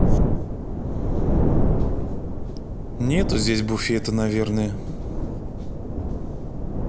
нету здесь буфета наверное